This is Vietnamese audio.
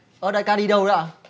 ơ đại ca đi đâu đấy ạ